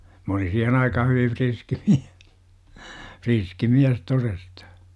minä olin siihen aikaan hyvin riski mies riski mies todesta